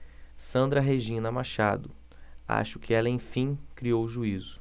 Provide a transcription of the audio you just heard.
sandra regina machado acho que ela enfim criou juízo